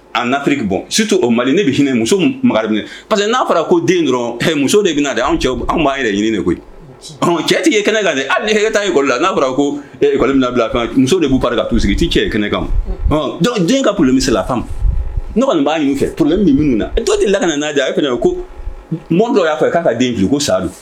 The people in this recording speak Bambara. A nafiriki bɔ sutu o mali ne bɛ hinɛ muso ma minɛ pa parce que n'a fɔra ko den dɔrɔn muso de bɛna na anw cɛw anw b'a yɛrɛ ɲini de koyi cɛtigi kɛnɛ ka hali nita yekɔ la n'a fɔra ko e kɔni min bila muso de b'uo ka tu sigi t' cɛ kɛnɛkan dɔnkuc den ka kulumisala kama ne kɔni b'a ɲinifɛ to min min na e dɔ de la ka n'a e ko mɔgɔ dɔ y'a fɛ k'a ka den fili ko sa don